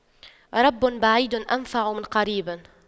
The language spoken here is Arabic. رب بعيد أنفع من قريب